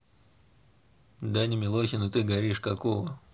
даня милохин и ты горишь какого